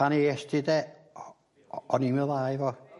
pan est ti 'de o- o- o'n i'n mewn wlau efo